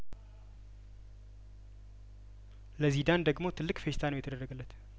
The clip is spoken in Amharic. ለዚዳን ደግሞ ትልቅ ፌሽታ ነው የተደረገለት